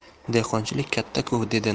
dehqonchilik katta ku dedi